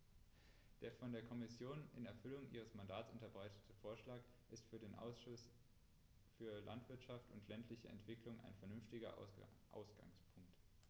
Der von der Kommission in Erfüllung ihres Mandats unterbreitete Vorschlag ist für den Ausschuss für Landwirtschaft und ländliche Entwicklung ein vernünftiger Ausgangspunkt.